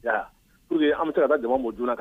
P an bɛ se ka da dama mɔ dunan kan